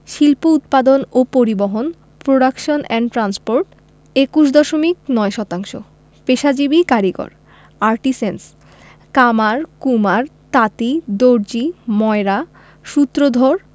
শিল্প উৎপাদন ও পরিবহণ প্রোডাকশন এন্ড ট্রান্সপোর্ট ২১ দশমিক ৯ শতাংশ পেশাজীবী কারিগরঃ আর্টিসেন্স কামার কুমার তাঁতি দর্জি ময়রা সূত্রধর